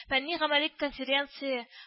Фәнни-гамәли конференция